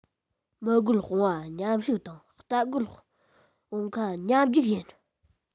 མི རྒོད དཔུང པ མཉམ གཤིབས དང རྟ རྒོད བང ཁ མཉམ རྒྱུག བྱེད